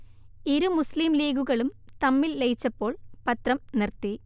ഇരു മുസ്ലിം ലീഗുകളും തമ്മിൽ ലയിച്ചപ്പോൾ പത്രം നിർത്തി